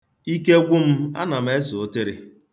Ike gwụ m, ana m ese ụtịrị.